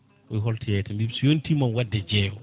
o wii holto yeyete mbimomi so yonti mami wadde e jeyowo